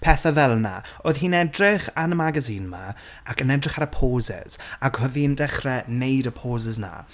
Pethe fel 'na. Oedd hi'n edrych yn y magazine 'ma, ac yn edrych ar y poses. Ac oedd hi'n dechre wneud y poses 'na.